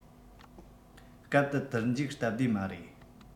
སྐབས དེར དུར འཇུག སྟབས བདེ མ རེད